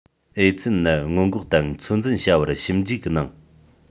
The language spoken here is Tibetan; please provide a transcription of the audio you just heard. ཨེ ཙི ནད སྔོན འགོག དང ཚོད འཛིན བྱ བར ཞིབ འཇུག གནང